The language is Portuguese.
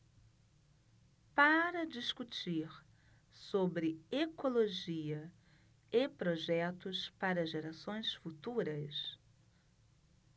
para discutir sobre ecologia e projetos para gerações futuras